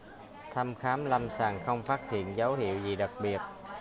thăm khám lâm sàng không phát hiện dấu hiệu gì đặc biệt